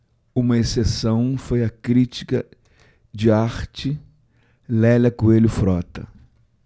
uma exceção foi a crítica de arte lélia coelho frota